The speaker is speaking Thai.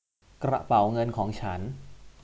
กระเป๋าเงินของฉัน